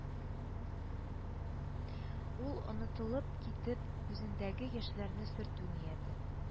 Ул, онытылып китеп, күзендәге яшьләрне сөртү нияте